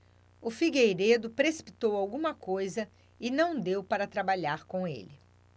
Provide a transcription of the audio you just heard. o figueiredo precipitou alguma coisa e não deu para trabalhar com ele